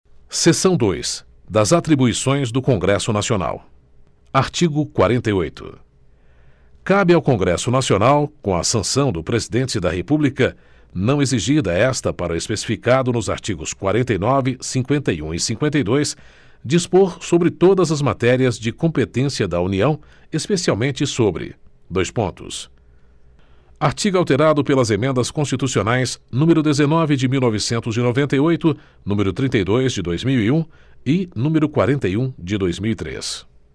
seção dois das atribuições do congresso nacional artigo quarenta e oito cabe ao congresso nacional com a sanção do presidente da república não exigida esta para o especificado nos artigos quarenta e nove cinquenta e um e cinquenta e dois dispor sobre todas as matérias de competência da união especialmente sobre dois pontos artigo alterado pelas emendas constitucionais número dezenove de mil novecentos e noventa e oito número trinta e dois de dois mil e um e número quarenta e um de dois mil e três